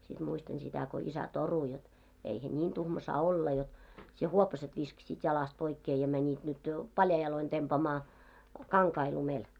sitten muistan sitä kun isä torui jotta eihän niin tuhma saa olla jotta sinä huopaset viskasit jalasta pois ja menit nyt jo paljain jaloin tempaamaan kankaita lumelle